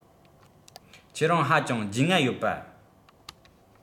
ཁྱེད རང ཧ ཅང རྒྱུས མངའ ཡོད པ